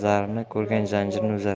zarni ko'rgan zanjirini uzar